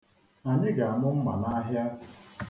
Anyị ga-amụ mma a n'ahịa.